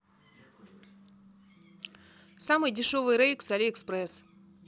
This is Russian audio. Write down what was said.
самый дешевый рейк с алиэкспресс